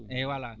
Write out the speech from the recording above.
eyyi voilà